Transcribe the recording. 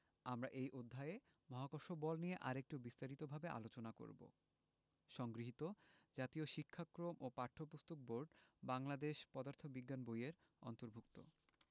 আমরা এই অধ্যায়ে মহাকর্ষ বল নিয়ে আরেকটু বিস্তারিতভাবে আলোচনা করব সংগৃহীত জাতীয় শিক্ষাক্রম ও পাঠ্যপুস্তক বোর্ড বাংলাদেশ পদার্থ বিজ্ঞান বই এর অন্তর্ভুক্ত